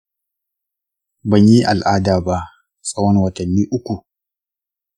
ban yi al’ada ba tsawon watanni uku.